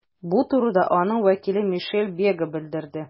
Бу турыда аның вәкиле Мишель Бега белдерде.